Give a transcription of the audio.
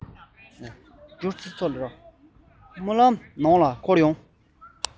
རྨི ལམ ནང ལ འཁོར ཡོང